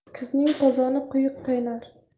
kuzning qozoni quyuq qaynar